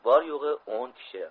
bor yo'g'i o'n kishi